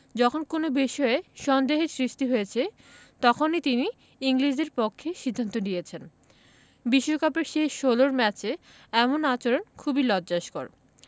যখন কোনো বিষয়ে সন্দেহের সৃষ্টি হয়েছে তখনই তিনি ইংলিশদের পক্ষে সিদ্ধান্ত দিয়েছেন বিশ্বকাপের শেষ ষোলর ম্যাচে এমন আচরণ খুবই লজ্জাস্কর